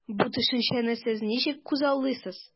Бу төшенчәне сез ничек күзаллыйсыз?